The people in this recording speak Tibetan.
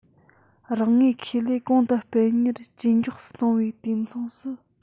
རང ངོས ཁེ ལས གོང དུ སྤེལ མྱུར ཇེ མགྱོགས སུ གཏོང བའི དུས མཚུངས སུ